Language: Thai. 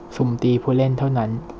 สุ่มตีผู้เล่นเท่านั้น